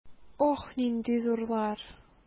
Ох, нинди зурлар!